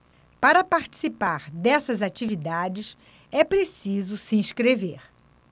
para participar dessas atividades é preciso se inscrever